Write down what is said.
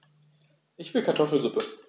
Ich will Kartoffelsuppe.